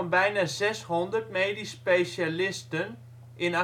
bijna zeshonderd medisch specialisten in